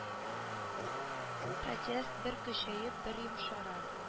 Протест бер көчәеп бер йомшара